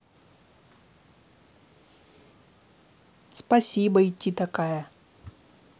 спасибо идти такая